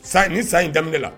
San ni san in da la